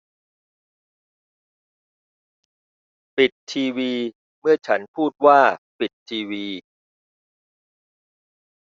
ปิดทีวีเมื่อฉันพูดว่าปิดทีวี